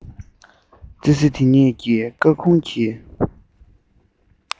ཙི ཙི དེ གཉིས ཀྱིས སྐར ཁུང གི